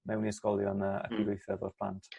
mewn i ysgolion a... Hmm. ..ac yn gweithio efo'r plant.